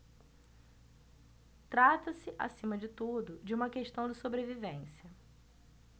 trata-se acima de tudo de uma questão de sobrevivência